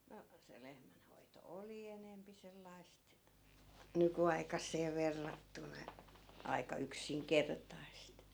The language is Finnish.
no se lehmän hoito oli enempi sellaista nykyaikaiseen verrattuna aika yksinkertaista